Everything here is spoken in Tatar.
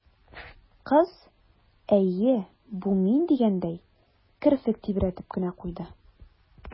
Кыз, «әйе, бу мин» дигәндәй, керфек тибрәтеп кенә куйды.